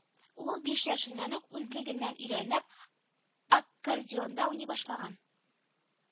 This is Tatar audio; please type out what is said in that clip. Ул биш яшеннән үк, үзлегеннән өйрәнеп, ак кордеонда уйный башлый